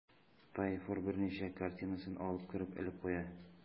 Тайфур берничә картинасын алып кереп элеп куя.